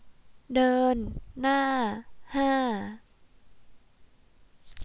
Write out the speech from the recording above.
เดินหน้าห้า